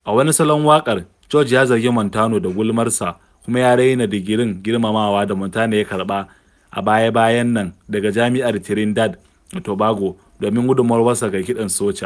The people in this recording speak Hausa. A wani salon waƙar, George ya zargi Montano da "gulmar" sa kuma ya raina digirin girmamawa da Montane ya karɓa a baya-bayan nan daga jami'ar Trinidad da Tobago domin gudummawarsa ga kiɗan soca.